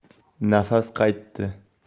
nafasi qaytdi